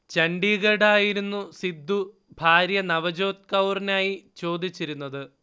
ഛണ്ഡീഗഡ് ആയിരുന്നു സിദ്ധു ഭാര്യ നവജ്യോത് കൗറിനായി ചോദിച്ചിരുന്നത്